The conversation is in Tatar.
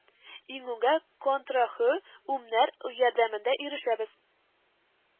Иңүгә контраһө үмнәр ярдәмендә ирешәбез